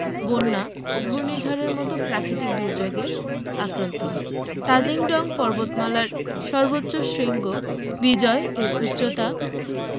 বন্যা ও ঘূর্ণিঝড়ের মতো প্রাকৃতিক দুর্যোগে আক্রান্ত হয় তাজিং ডং পর্বতমালার সর্বোচ্চ শৃঙ্গ বিজয় এর উচ্চতা